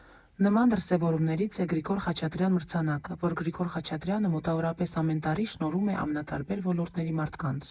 Նման դրսևորումներից է «Գրիգոր Խաչատրյան» մրցանակը, որ Գրիգոր Խաչատրյանը մոտավորապես ամեն տարի շնորհում է ամենատարբեր ոլորտների մարդկանց.